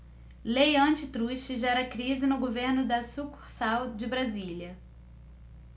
lei antitruste gera crise no governo da sucursal de brasília